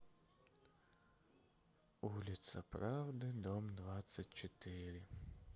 улица правды дом двадцать четыре